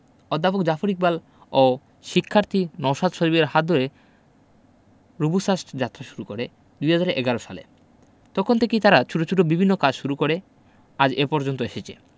অধ্যাপক জাফর ইকবাল ও শিক্ষার্থী নওশাদ সজীবের হাত ধরে রোবোসাস্ট যাত্রা শুরু করে ২০১১ সালে তখন থেকেই তারা ছোট ছোট বিভিন্ন কাজ শুরু করে আজ এ পর্যন্ত এসেছেন